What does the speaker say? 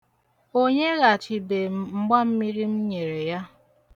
O nyeghachibe m mgbammiri m nyere ya.